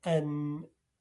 yn